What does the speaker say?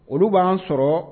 Olu b'an sɔrɔ